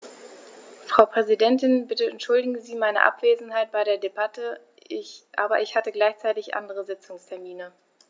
Frau Präsidentin, bitte entschuldigen Sie meine Abwesenheit bei der Debatte, aber ich hatte gleichzeitig andere Sitzungstermine.